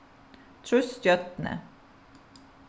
trýst stjørnu